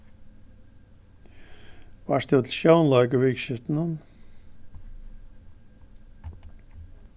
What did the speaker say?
vart tú til sjónleik í vikuskiftinum